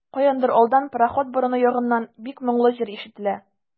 Каяндыр алдан, пароход борыны ягыннан, бик моңлы җыр ишетелә.